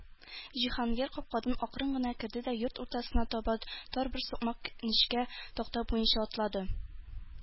Җиһангир капкадан акрын гына керде дә йорт уртасына таба тар бер сукмак—нечкә такта буенча атлады.